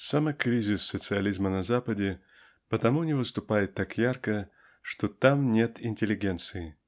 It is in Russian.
Самый кризис социализма на Западе потому не выступает так ярко что там нет интеллигенции.